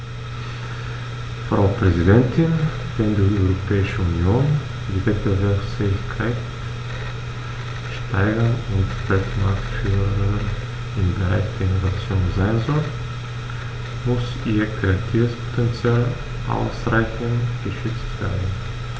Frau Präsidentin, wenn die Europäische Union die Wettbewerbsfähigkeit steigern und Weltmarktführer im Bereich der Innovation sein soll, muss ihr kreatives Potential ausreichend geschützt werden.